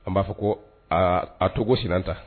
An b'a fɔ ko aa a Togo Sinanta